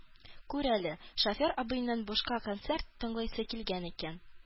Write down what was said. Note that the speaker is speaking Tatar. Күр әле, шофер абыйның бушка концерт тыңлыйсы килгән икән